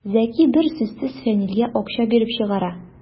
Зәки бер сүзсез Фәнилгә акча биреп чыгара.